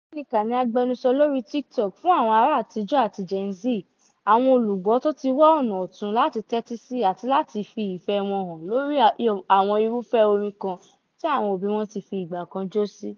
Veronica ni agbẹnusọ lóri TikTok fún àwọn ará àtijọ́ àti Gen Z — àwọn olùgbọ́ tó ti wá ọ̀nà ọ̀tun láti tẹ́tí sí àti láti fi ìfẹ́ wọn hàn lóri àwọn irúfẹ́ orin kan tí àwọn òbí wọn ti fi ìgbà kan jó sí.